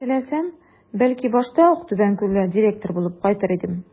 Әгәр теләсәм, бәлки, башта ук Табанкүлгә директор булып кайтыр идем.